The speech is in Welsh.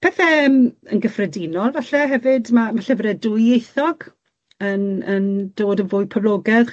Pethe yym yn gyffredinol falle hefyd, ma' ma' llyfre dwyieithog yn yn dod yn fwy poblogedd.